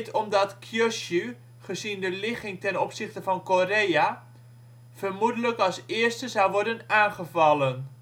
omdat Kyushu, gezien de ligging ten opzichte van Korea, vermoedelijk als eerste zou worden aangevallen